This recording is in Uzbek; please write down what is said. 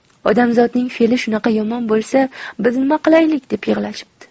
odamzodning feli shunaqa yomon bo'lsa biz nima qilaylik deb yig'lashibdi